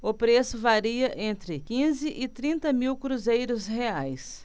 o preço varia entre quinze e trinta mil cruzeiros reais